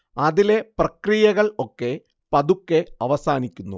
അതിലെ പ്രക്രിയകൾ ഒക്കെ പതുക്കെ അവസാനിക്കുന്നു